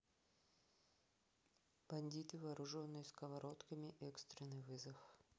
бандиты вооруженные сковородками экстренный вызов